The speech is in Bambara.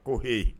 Ko heyi